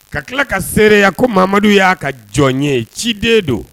Ka tila ka seereya ko Mahamadu y'a ka jɔn ye ciden don